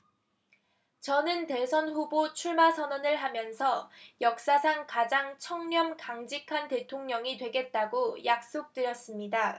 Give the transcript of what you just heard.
저는 대선 후보 출마 선언을 하면서 역사상 가장 청렴 강직한 대통령이 되겠다고 약속 드렸습니다